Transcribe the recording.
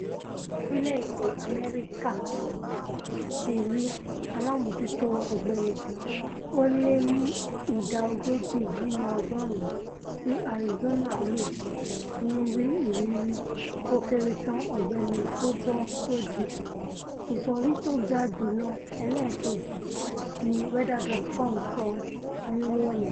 Gẹ́gẹ́bí orílẹ̀-èdè U.S. ti wí Aláàmójútó Ọ̀gbẹlẹ̀, ó lé ní ìdá ogójì nínú ọgọ́ọ̀rún ti Arizona ló ńní ìrírì ó kéré tán ọ̀gbẹlẹ̀ tó bọ́ sódì, ìṣọ̀rí tóga jùlọ ẹlẹ́ẹ̀keji,'' ní weather.com sọ níròyìn.